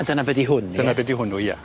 A dyna be' 'di hwn ie? Dyna be' 'di hwnnw ia.